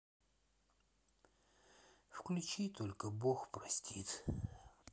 включи только бог простит